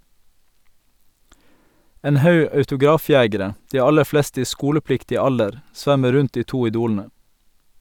En haug autografjegere, de aller fleste i skolepliktig alder, svermer rundt de to idolene.